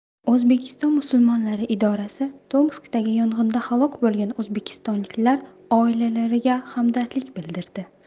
o'zbekiston musulmonlari idorasi tomskdagi yong'inda halok bo'lgan o'zbekistonliklar oilalariga hamdardlik bildirdi